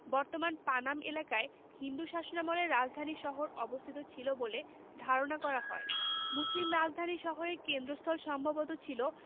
বর্তমান পানাম এলাকায় হিন্দু শাসনামলের রাজধানী শহর অবস্থিত ছিল বলে ধারণা করা হয় মুসলিম রাজধানী শহরের কেন্দ্রস্থল সম্ভবত ছিল